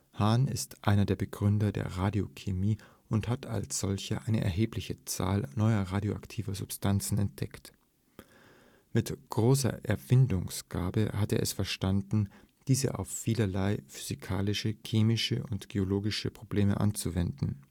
Hahn ist einer der Begründer der Radiochemie und hat als solcher eine erhebliche Zahl neuer radioaktiver Substanzen entdeckt. Mit großer Erfindungsgabe hat er es verstanden, diese auf vielerlei physikalische, chemische und geologische Probleme anzuwenden